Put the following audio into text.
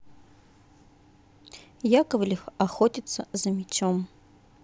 яковлев охотится за мечом